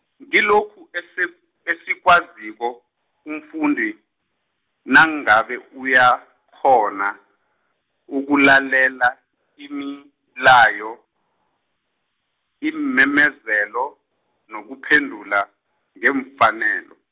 ngilokhu ese- esikwaziko, umfundi, nangabe uyakghona, ukulalela imilayo, iimemezelo, nokuphendula, ngefanelo.